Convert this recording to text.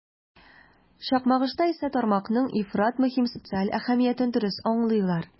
Чакмагышта исә тармакның ифрат мөһим социаль әһәмиятен дөрес аңлыйлар.